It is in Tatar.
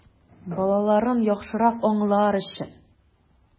Балаларын яхшырак аңлар өчен!